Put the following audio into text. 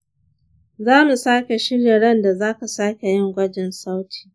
zamu sake shirya randa zaka sake yin gwajin sauti.